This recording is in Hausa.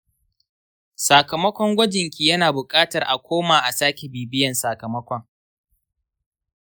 sakamakon gwajin ki yana bukatar a koma a sake bibiyan sakamakon.